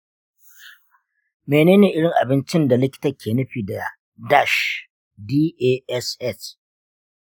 menene irin abincin da likita ke nufi da dash?